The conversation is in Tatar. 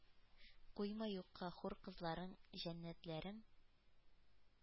Куйма юкка хур кызларың, җәннәтләрең,